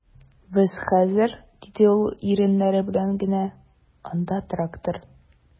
Без хәзер, - диде ул иреннәре белән генә, - анда трактор...